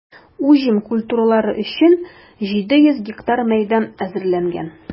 Уҗым культуралары өчен 700 га мәйдан әзерләнгән.